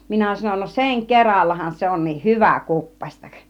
minä sanoin no sen kerallahan se onkin hyvä kuppasta